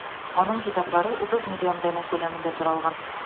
Аның китаплары 30 миллион данә күләмендә таралган.